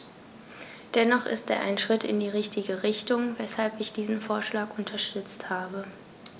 Dennoch ist er ein Schritt in die richtige Richtung, weshalb ich diesen Vorschlag unterstützt habe.